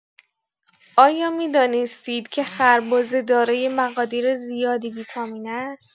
آیا می‌دانستید که خربزه دارای مقادیر زیادی ویتامین است؟